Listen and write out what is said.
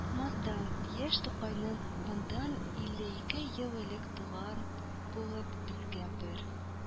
Масдан, яшь тукайның бондан 52 ел элек туган булып, безгә бер